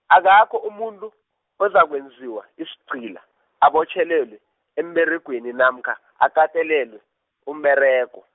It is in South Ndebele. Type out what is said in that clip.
akakho umuntu, ozakwenziwa isigcila, abotjhelelwe, emberegweni namkha, akatelelwe umberego.